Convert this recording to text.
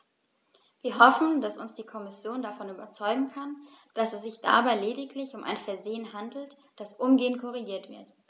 Wir hoffen, dass uns die Kommission davon überzeugen kann, dass es sich dabei lediglich um ein Versehen handelt, das umgehend korrigiert wird.